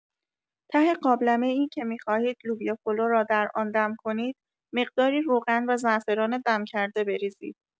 ته قابلمه‌ای که می‌خواهید لوبیا پلو را در آن دم کنیم مقداری روغن و زعفران دم کرده بریزید.